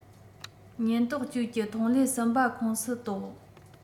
ཉེན རྟོག ཅུའུ ཀྱི ཐོན ལས གསུམ པ ཁོངས སུ གཏོགས